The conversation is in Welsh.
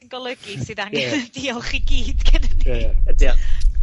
golygu sydd angen... Ie. ... diolch i gyd gennyn ni. Ie ie. Diolch